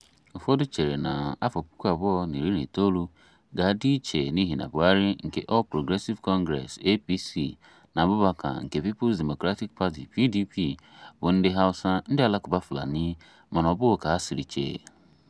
Ụfọdụ chere na 2019 ga-adị iche n'ihi na Buhari nke All Progressive Congress (APC) na Abubakar nke People's Democratic Party (PDP) bụ ndị Hausa, ndị Alakụba Fulani, mana ọbụghị ka ha siri che.